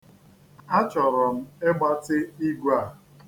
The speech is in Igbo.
Achọrọ m ịgbatị igwe a.